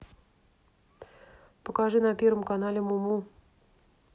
покажи на первом канале муму